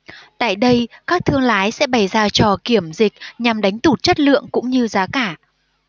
tại đây các thương lái sẽ bày ra trò kiểm dịch nhằm đánh tụt chất lượng cũng như giá cả